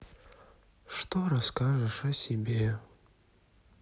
что расскажешь о себе